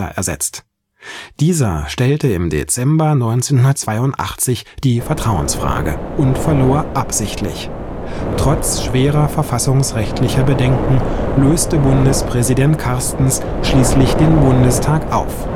ersetzt. Dieser stellte im Dezember 1982 die Vertrauensfrage und verlor absichtlich. Trotz schwerer verfassungsrechtlicher Bedenken löste Bundespräsident Carstens schließlich den Bundestag auf